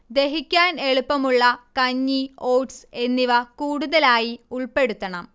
ദഹിക്കാൻ എളുപ്പമുള്ള കഞ്ഞി, ഓട്സ്എന്നിവ കൂടുതലായി ഉൾപ്പെടുത്തണം